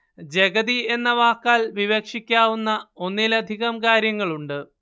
ജഗതി എന്ന വാക്കാൽ വിവക്ഷിക്കാവുന്ന ഒന്നിലധികം കാര്യങ്ങളുണ്ട്